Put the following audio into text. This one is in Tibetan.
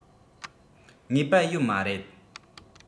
ངེས པ ཡོད མ རེད